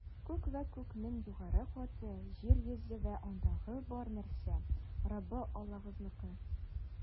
Күк вә күкнең югары каты, җир йөзе вә андагы бар нәрсә - Раббы Аллагызныкы.